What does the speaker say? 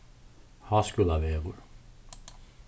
háskúlavegur